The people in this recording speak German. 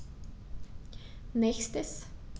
Nächstes.